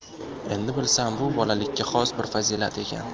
endi bilsam bu bolalikka xos bir fazilat ekan